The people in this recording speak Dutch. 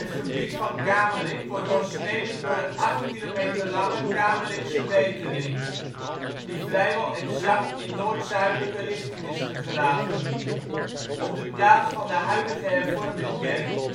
gebied van Kamerik wordt doorsneden door de acht kilometer lange Kamerikse Wetering, die vrijwel exact in noord-zuidelijke richting is gegraven. Op de plaats van de huidige hervormde kerk